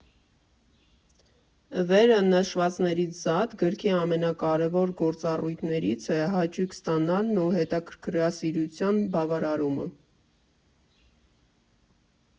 Վերը նշվածներից զատ՝ գրքի ամենակարևոր գործառույթներից է հաճույք ստանալն ու հետաքրքրասիրության բավարարումը։